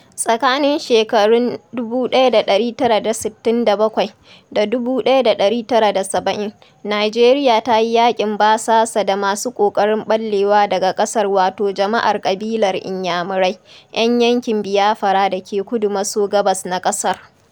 Tsakanin shekarun 1967 da 1970, Nijeriya ta yi yaƙin basasa da masu ƙoƙarin ɓallewa daga ƙasar wato jama'ar ƙabilar Inyamirai 'yan yankin Biafra da ke kudu maso gabas na ƙasar.